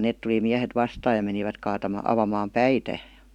ne - tuli miehet vastaan ja menivät - avaamaan päitä